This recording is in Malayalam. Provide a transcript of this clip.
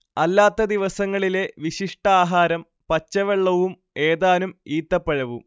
അല്ലാത്ത ദിവസങ്ങളിലെ വിശിഷ്ടാഹാരം പച്ചവെള്ളവും ഏതാനും ഈത്തപ്പഴവും